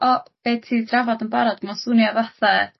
o be' ti' 'di drafod yn barod ma' swnia fatha